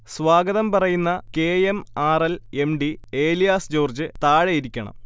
സ്വാഗതം പറയുന്ന K. M. R. L., M. D Elias George താഴെ ഇരിക്കണം